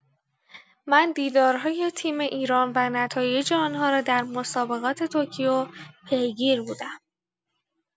من دیدارهای تیم ایران و نتایج آنها را در مسابقات توکیو پیگیر بودم.